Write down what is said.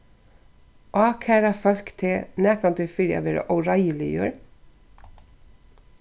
ákæra fólk teg nakrantíð fyri at vera óreiðiligur